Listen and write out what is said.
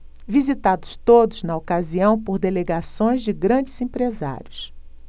visitados todos na ocasião por delegações de grandes empresários